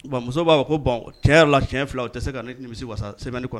Bon muso b'a fɔ ko bɔn cɛ la tiɲɛ fila o tɛ se ka ne nimi wasa sɛbɛn kɔnɔ